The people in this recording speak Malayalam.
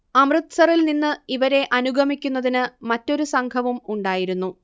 അമൃത്സറിൽനിന്ന് ഇവരെ അനുഗമിക്കുന്നതിന് മറ്റൊരു സംഘവും ഉണ്ടായിരുന്നു